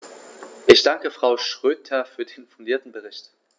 Ich danke Frau Schroedter für den fundierten Bericht.